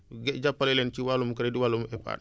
jàppaleleen ci wàllum crédit wàllum épargne